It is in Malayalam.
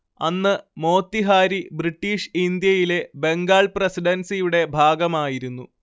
അന്ന് മോത്തിഹാരി ബ്രിട്ടീഷ് ഇന്ത്യയിലെ ബംഗാൾ പ്രസിഡൻസിയുടെ ഭാഗമായിരുന്നു